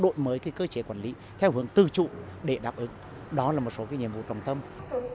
đổi mới cái cơ chế quản lý theo hướng tự chủ để đáp ứng đó là một số cái nhiệm vụ trọng tâm